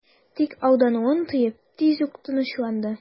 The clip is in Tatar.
Тик алдануын тоеп, тиз үк тынычланды...